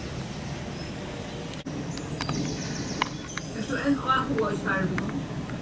ert tú enn áhugað í starvinum